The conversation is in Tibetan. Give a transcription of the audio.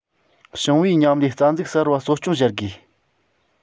ཞིང པའི མཉམ ལས རྩ འཛུགས གསར པ གསོ སྐྱོང བྱ དགོས